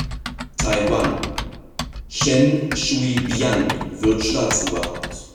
Taiwan Chen Shui-bian wird Staatsoberhaupt